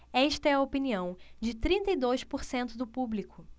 esta é a opinião de trinta e dois por cento do público